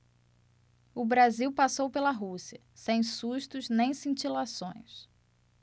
o brasil passou pela rússia sem sustos nem cintilações